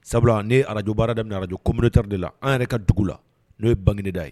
Sabula ne araj baara daminɛ araj com ta de la an yɛrɛ ka dugu la n'o ye bangeg da ye